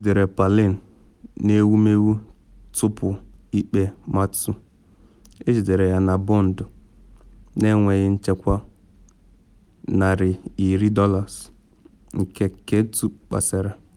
Ejidere Palin na Ewumewu Tupu-Ikpe Mat-Su, ejidere ya na bọnd na enweghị nchekwa $500, nke kTUU kpesara.